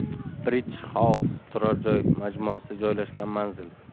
british house turar joy majmuasi joylashgan manzil